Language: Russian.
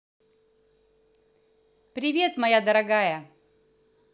привет моя дорогая